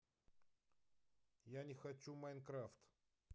я не хочу майнкрафт